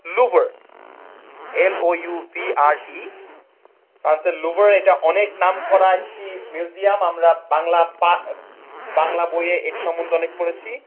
Louvre L U V R E answer Louvre এটা অনেক নামকরা একটি মিউজিয়াম আমরা বাংলা বাংলা বইটি সম্বন্ধে অনেক পড়েছি